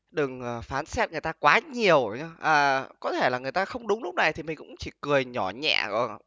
đừng phán xét người ta quá nhiều à có thể là người ta không đúng lúc này thì mình cũng chỉ cười nhỏ nhẹ